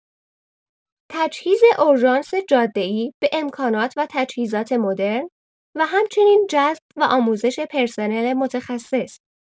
تجهیز اورژانس جاده‌ای به امکانات و تجهیزات مدرن و همچنین جذب و آموزش پرسنل متخصص